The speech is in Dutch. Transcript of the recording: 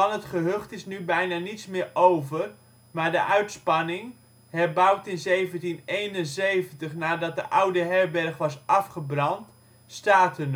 het gehucht is nu bijna niets meer over, maar de uitspanning, herbouwd in 1771 nadat de oude herberg was afgebrand, staat er nog